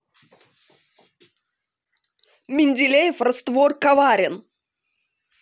менделеев раствор коварен